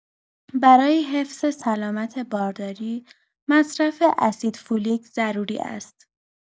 برای حفظ سلامت بارداری، مصرف اسیدفولیک ضروری است.